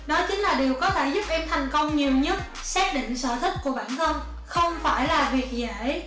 đó chính là điều có thể giúp em thành công nhiều nhất xác định sở thích của bản thân không phải là việc dễ